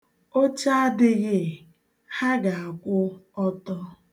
Oche adịghị , ha ga-akwụ ọtọ.